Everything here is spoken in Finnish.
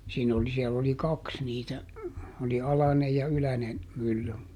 siinä oli siellä oli kaksi niitä oli alainen ja yläinen mylly